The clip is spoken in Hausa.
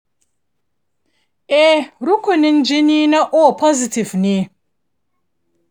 eh rukunin jini na o positive ne